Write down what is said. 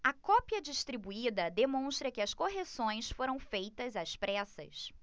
a cópia distribuída demonstra que as correções foram feitas às pressas